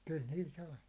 kyllä niillä sai